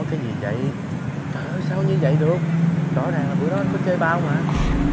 cái gì vậy trời ơi sao như vậy được rõ ràng là bữa đó anh có chơi bao mà